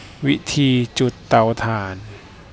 วิธีจุดเตาถ่าน